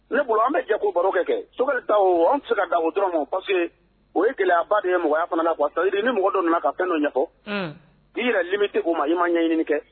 Ne bolo an bɛ jɛgo baro kɛ so ta o an fɛ ga o dɔrɔn ma o ye gɛlɛya ba tigɛ ye mɔgɔya fanasayiri ni mɔgɔ dɔ ninnu ka fɛno ɲɛfɔ k ii yɛrɛ limite o ma i ma ɲɛɲini kɛ